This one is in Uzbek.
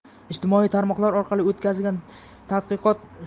ijtimoiy tarmog'lar orqali o'tkazilgan tadqiqot